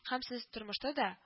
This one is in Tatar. Һәм сез тормышта да